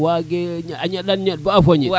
wage a ñandan ñaɗ ba foñan